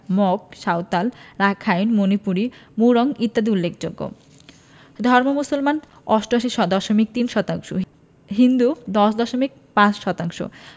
mug Santal Rakhine Manipuri Murong ইত্যাদি উল্লেখযোগ্য ধর্ম মুসলমান ৮৮দশমিক ৩ শতাংশ হিন্দু ১০দশমিক ৫ শতাংশ